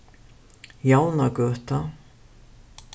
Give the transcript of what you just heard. javnagøta